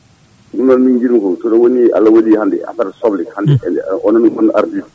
min noon min jiiɗi ko so woni Allah waɗi hande affaire soble hande onon gooni ɗo ardiɓe